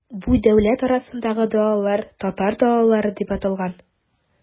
Бу дәүләт арасындагы далалар, татар далалары дип аталган.